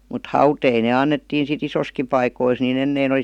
mutta hauteita ne annettiin sitten isoissakin paikoissa niin ennen oli